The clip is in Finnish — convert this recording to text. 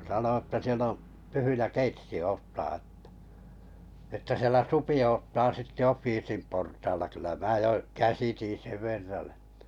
sanoi että siellä on tyhjä keitsi odottaa että että siellä supi odottaa sitten offiisin portaalla kyllä minä jo käsitin sen verran että